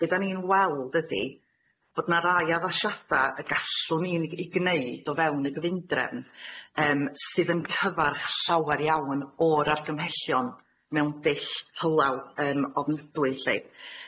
Be' 'da ni'n weld ydi bod 'na rai addasiada' y gallwn ni i gneud o fewn y gyfundrefn yym sydd yn cyfarch llawer iawn o'r argymhellion mewn dull hylaw yym ofnadwy lly,